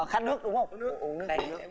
khát nước đúng hông uống nước đây